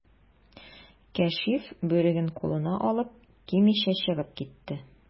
Кәшиф, бүреген кулына алып, кимичә чыгып китте.